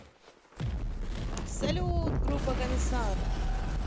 салют группа комиссар